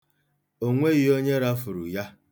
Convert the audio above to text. O nweghị onye rafuru ya.